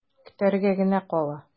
Көтәргә генә кала.